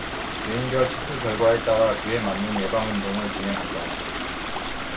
개인별 체크 결과에 따라 그에 맞는 예방 운동을 진행한다